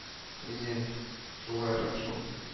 —әйе, шулайрак шул